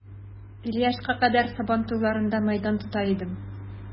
Илле яшькә кадәр сабан туйларында мәйдан тота идем.